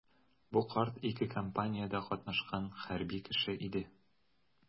Бу карт ике кампаниядә катнашкан хәрби кеше иде.